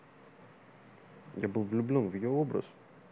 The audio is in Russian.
я был влюблен в ее образ